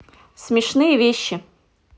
смешные вещи